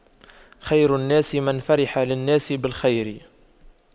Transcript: خير الناس من فرح للناس بالخير